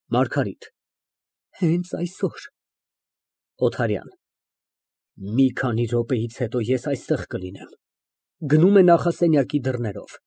ՄԱՐԳԱՐԻՏ ֊ Հենց այսօր։ ՕԹԱՐՅԱՆ ֊ Մի քանի րոպեից հետո ես այստեղ կլինեմ։ (Գնում է նախասենյակի դռներով)։